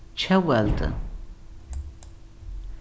tjóðveldi